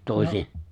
-